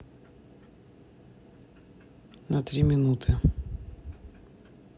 на три минуты